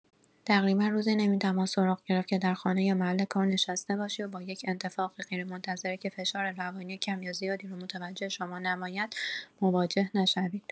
تقریبا روزی نمی‌توان سراغ گرفت که در خانه یا محل کار نشسته باشی و با یک اتفاق غیرمنتظره که فشار روانی کم یا زیادی را متوجه شما نماید، مواجه نشوید.